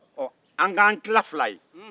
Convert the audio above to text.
ɔ an ka an tila fila ye